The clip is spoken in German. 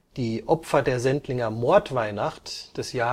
Die Opfer der Sendlinger Mordweihnacht (1705